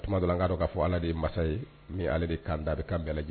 ka dɔ k'a fɔ Ala de ye masa ye ale de kan da a bɛ kan bɛɛ